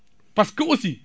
parce que aussi